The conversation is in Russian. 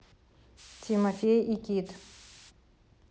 тимофей и кит